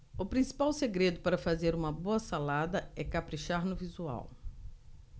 o principal segredo para fazer uma boa salada é caprichar no visual